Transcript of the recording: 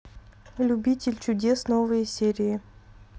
любитель чудес новые серии